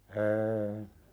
en